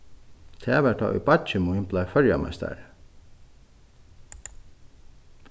tað var tá ið beiggi mín bleiv føroyameistari